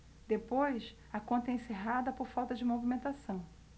depois a conta é encerrada por falta de movimentação